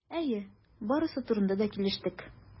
Әйе, барысы турында да килештек.